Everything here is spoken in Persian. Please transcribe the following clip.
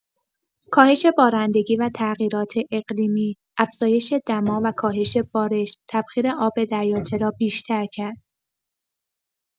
کاهش بارندگی و تغییرات اقلیمی: افزایش دما و کاهش بارش، تبخیر آب دریاچه را بیشتر کرد.